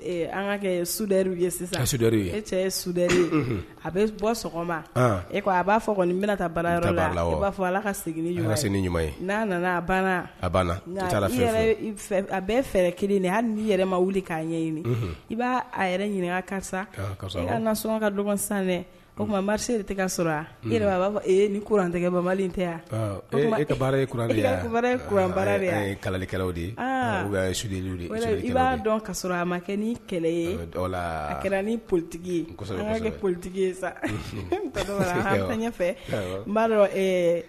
An a bɛ bɔ e a b'a fɔ kɔni bɛna yɔrɔ la b'a ala ka segin ɲuman n'a nana a bɛɛ fɛ yɛrɛ ma wuli k'a ɲɛ ɲini i b'a yɛrɛ ɲini karisa an kasan dɛ o tuma mari de sɔrɔ b'a fɔ ni kourantɛ tɛ yanuran ye kalalikɛlaw de b'a dɔn ka a ma kɛ ni kɛlɛ kɛra ni politigi politigi ye sa ɲɛfɛ n b'a